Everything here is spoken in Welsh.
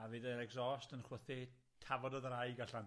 A fydd yr exhaust yn chwythu Tafod y Ddraig allan.